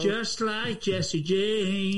Just like Jessie James.